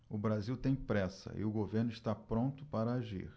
o brasil tem pressa e o governo está pronto para agir